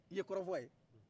i ye kɔrɔfɔ ye